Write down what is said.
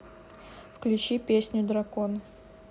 включи песню дракон